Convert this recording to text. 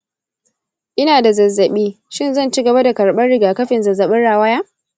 ina da zazzabi, shin zan ci gaba da karɓar rigakafin zazzabin rawaya?